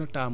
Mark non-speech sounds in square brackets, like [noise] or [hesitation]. [hesitation] [hesitation]